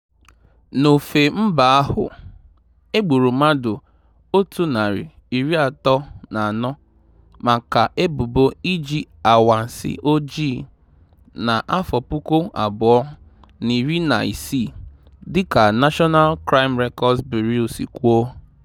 N'ofe mba ahụ, e gburu mmadụ 134 maka ebubo iji "anwansi ojii" na 2016, dịka National Crime Records Bureau si kwuo.